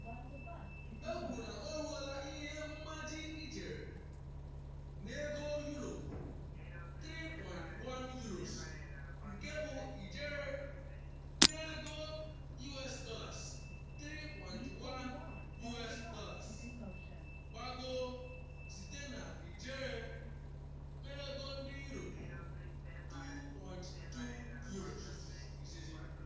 Ekwuru na oruola ihe mmaja ijeri €3.1 (ijeri $3.6) - gbagoo site na ijeri €2.2 izizi.